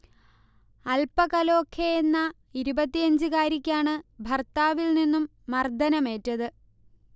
അൽപ കലോഖെ എന്ന ഇരുപത്തിയഞ്ചു കാരിക്കാണ് ഭർത്താവിൽ നിന്നും മർദ്ദനമേറ്റത്